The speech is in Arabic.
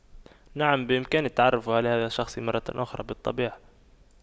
نعم بإمكاني التعرف على هذا الشخص مرة أخرى بالطبع